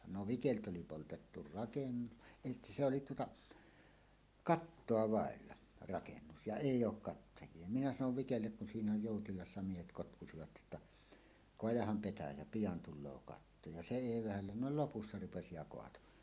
no Vikeltä oli poltettu rakennus ei se oli tuota kattoa vailla rakennus ja ei ollut kattajia minä sanoin Vikelle kun siinä joutilaat miehet kotkusivat jotta kaadahan petäjä pian tulee katto ja se ei vähällä no lopussa rupesi ja kaatoi